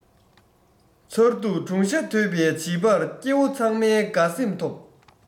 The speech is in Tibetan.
མཚར སྡུག གྲུང ཤ དོད པའི བྱིས པར སྐྱེ བོ ཚང མའི དགའ སེམས ཐོབ